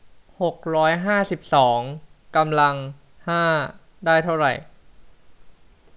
หกร้อยห้าสิบสองกำลังห้าได้เท่าไร